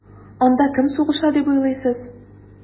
Анда кем сугыша дип уйлыйсыз?